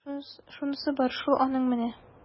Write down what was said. Шунысы бар шул аның менә! ..